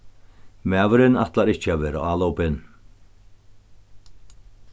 maðurin ætlar ikki at verða álopin